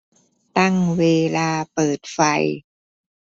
ตั้งเวลาเปิดไฟ